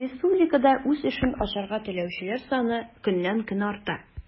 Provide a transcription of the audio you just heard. Республикада үз эшен ачарга теләүчеләр саны көннән-көн арта.